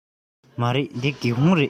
མ རེད འདི སྒེའུ ཁུང རེད